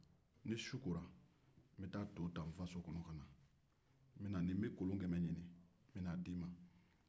n bɛ taa to ta n faso kɔnɔ ka na ni su kora